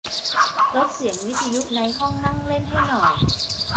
ลดเสียงวิทยุในห้องนั่งเล่นให้หน่อย